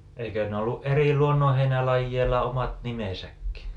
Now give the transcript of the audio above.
eikö ne ollut eri luonnonheinälajeilla omat nimensäkin